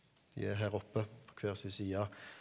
de er her oppe på hver sin side.